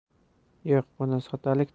yo'q buni soddalik